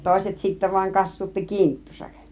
toiset sitten vain kassuutti kinttunsa